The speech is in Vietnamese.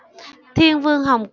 thiên vương hồng